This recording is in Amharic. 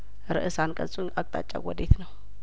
ርእስ አንቀጹ አቅጣጫው ወዴት ነው